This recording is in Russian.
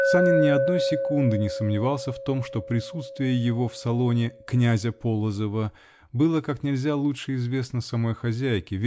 Санин ни одной секунды не сомневался в том, что присутствие его в салоне князя Полозова" было как нельзя лучше известно самой хозяйке